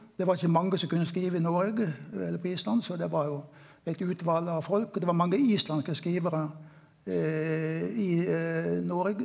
det var ikkje mange som kunne skriva i Noreg eller på Island så det var jo eit utval av folk, og det var mange islandske skrivarar i Noreg.